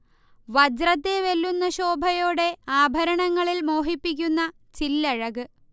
വജ്രത്തെ വെല്ലുന്ന ശോഭയോടെ ആഭരണങ്ങളിൽ മോഹിപ്പിക്കുന്ന ചില്ലഴക്